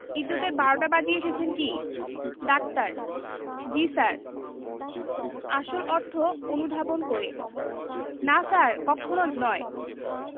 ইজ্জতের বারোটা বাজিয়ে এসেছেন কি ডাক্তার জ্বী স্যার আসল অর্থ অনুধাবন করে না স্যার কক্ষণো নয়